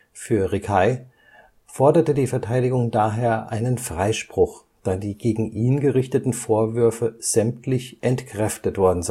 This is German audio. Für Rickhey forderte die Verteidigung daher einen Freispruch, da die gegen ihn gerichteten Vorwürfe sämtlich entkräftet worden